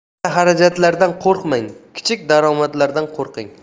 katta xarajatlardan qo'rqmang kichik daromadlardan qo'rqing